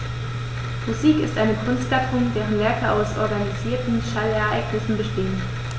Musik ist eine Kunstgattung, deren Werke aus organisierten Schallereignissen bestehen.